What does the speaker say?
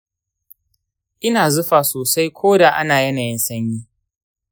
ina zufa sosai koda ana yanayin sanyi.